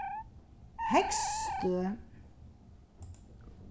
heygsstøð